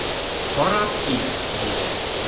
Карап кил,– диде.